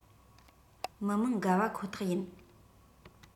མི མང དགའ བ ཁོ ཐག ཡིན